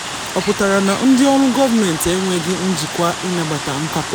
Ọ pụtara na ndịọrụ gọọmentị enweghị njikwa ịnabata nkatọ?